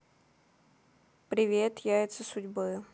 привет яйца судьбы